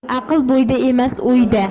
aql bo'yda emas o'yda